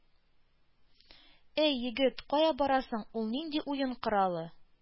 — әй, егет, кая барасың, ул нинди уен коралы,